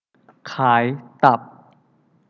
ขายตับ